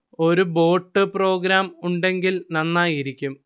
ഒരു boat programme ഉണ്ടെങ്കിൽ നന്നായിരിക്കും